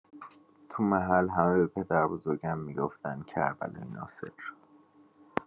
تو محل، همه به پدر بزرگم می‌گفتن کربلایی ناصر.